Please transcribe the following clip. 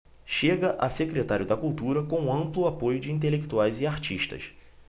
chega a secretário da cultura com amplo apoio de intelectuais e artistas